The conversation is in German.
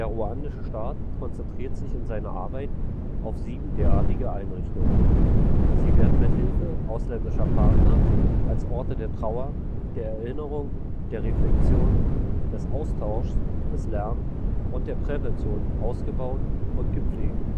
ruandische Staat konzentriert sich in seiner Arbeit auf sieben derartige Einrichtungen. Sie werden mit Hilfe ausländischer Partner als Orte der Trauer, der Erinnerung, der Reflexion, des Austauschs, des Lernens und der Prävention ausgebaut und gepflegt